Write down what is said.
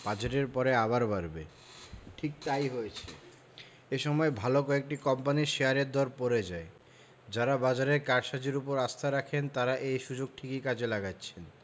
বাজেটের পরে আবার বাড়বে ঠিক তা ই হয়েছে এ সময় ভালো কয়েকটি কোম্পানির শেয়ারের দর পড়ে যায় যাঁরা বাজারের কারসাজির ওপর আস্থা রাখেন তাঁরা এই সুযোগ ঠিকই কাজে লাগাচ্ছেন